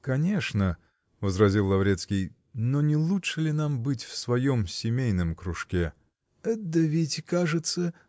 -- Конечно, -- возразил Лаврецкий, -- но не лучше ли нам быть в своем семейном кружке? -- Да ведь, кажется.